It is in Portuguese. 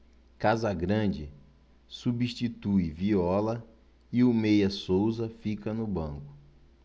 casagrande substitui viola e o meia souza fica no banco